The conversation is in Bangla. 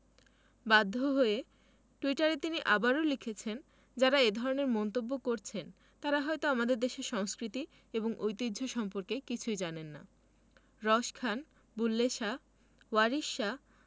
বাধ্য হয়ে টুইটারে তিনি আবারও লিখেছেন যাঁরা এ ধরনের মন্তব্য করছেন তাঁরা হয়তো আমাদের দেশের সংস্কৃতি এবং ঐতিহ্য সম্পর্কে কিছুই জানেন না রস খান বুল্লে শাহ ওয়ারিশ শাহ